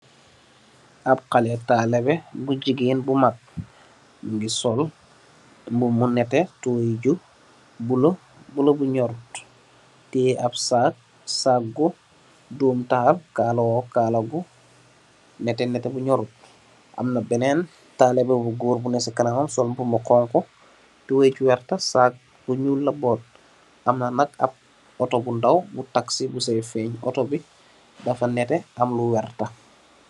Ab haleh talibeh bu jegain bu mag muge sol mubmu neteh tubaye ju bulo bulo bu nyurut teye ab sacc sacc gu doom taal kalawu kala gu neteh neteh bu nyurut amna benen talibeh bu goor bu ne se kanamam sol mubmu xonxo tubaye bu verta sacc bu nuul la bote amna nak otu bu ndaw bu taxi busaye feng otu be dafa neteh am lu verta.